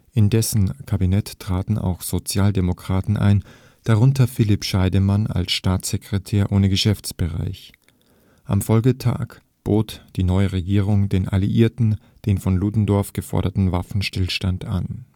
In dessen Kabinett traten auch Sozialdemokraten ein, darunter Philipp Scheidemann als Staatssekretär ohne Geschäftsbereich. Am Folgetag bot die neue Regierung den Alliierten den von Ludendorff geforderten Waffenstillstand an